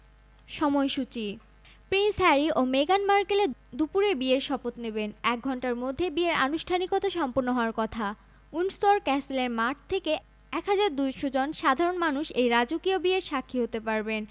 ও বাবা Thomas Markle বিয়েতে গুরুত্বপূর্ণ ভূমিকা পালন করবেন বলে জানা গেছে বিয়ের ভেন্যুতে মেগানকে নিয়ে আসবেন তাঁর মা ভেন্যুতে আসার পর কয়েকজন ব্রাইডস মেড মেগান মার্কেলের সাথে হেঁটে চ্যাপেলে আসবেন